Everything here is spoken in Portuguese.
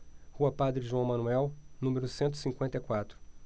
rua padre joão manuel número cento e cinquenta e quatro